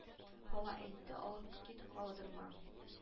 Хава әйтте алып кит калдырма